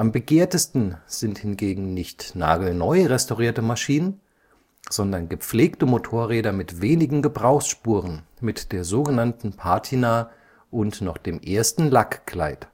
begehrtesten sind hingegen nicht „ nagelneu “restaurierte Maschinen, sondern gepflegte Motorräder mit wenigen Gebrauchsspuren, mit der sogenannten „ Patina “und noch dem ersten Lackkleid